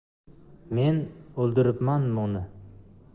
men o'ldiribmanmi uni